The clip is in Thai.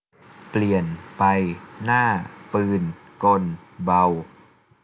เปลี่ยนไปหน้้าปืนกลเบา